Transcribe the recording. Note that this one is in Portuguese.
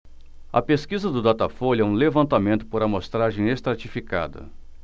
a pesquisa do datafolha é um levantamento por amostragem estratificada